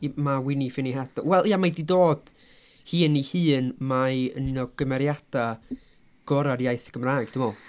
I- ma' Wini Ffini Had- wel, ia, mae hi dod hi yn ei hun, mae yn un o gymeriadau gorau'r iaith Gymraeg dwi'n meddwl.